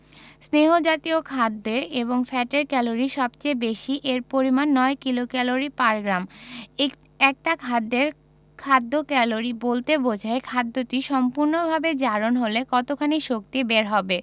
স্নেহ জাতীয় খাদ্যে অর্থাৎ ফ্যাটের ক্যালরি সবচেয়ে বেশি এর পরিমান ৯ কিলোক্যালরি পার গ্রাম একটা খাদ্যের খাদ্য ক্যালোরি বলতে বোঝায় খাদ্যটি সম্পূর্ণভাবে জারণ হলে কতখানি শক্তি বের হবে